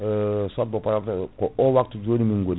soit bo pa* ko o waptu joni min goni